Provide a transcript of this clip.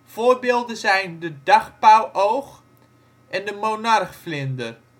Voorbeelden zijn de dagpauwoog en de monarchvlinder